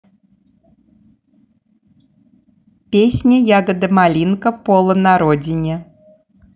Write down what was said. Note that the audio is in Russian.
песня ягода малинка пола на родине